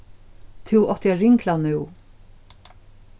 tú átti at ringla nú